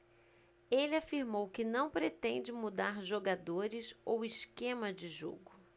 ele afirmou que não pretende mudar jogadores ou esquema de jogo